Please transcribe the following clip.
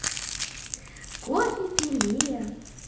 кофе пеле